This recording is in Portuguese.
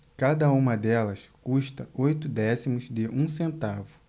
cada uma delas custa oito décimos de um centavo